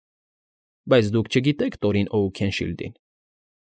Բայց դուք չգիտեք Տորին Օուքենշիլդին։